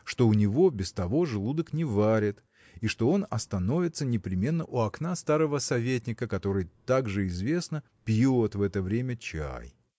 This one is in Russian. что у него без того желудок не варит и что он остановится непременно у окна старого советника который также известно пьет в это время чай.